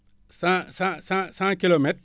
cent cent cent cent kilomètres